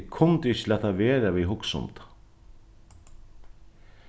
eg kundi ikki lata vera við at hugsa um tað